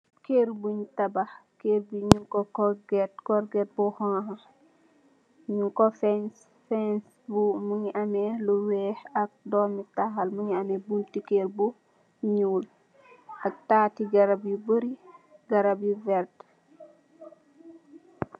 Kèr buñ tabax, kèr bi ñing ko korget, korget bu xonxu. Ñing ko fens, fens bi mugii ameh lu wèèx ak doomi tahal. Mugii ameh bunti kèr bu ñuul ak tati garap yu barri, garap yu werta.